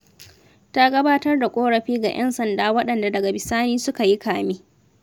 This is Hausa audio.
Ta gabatar da ƙorafi ga 'yan sanda, waɗanda daga bisani suka yi kame.